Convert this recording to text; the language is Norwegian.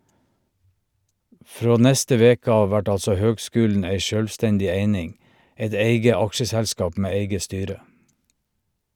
Frå neste veke av vert altså høgskulen ei sjølvstendig eining, eit eige aksjeselskap med eige styre.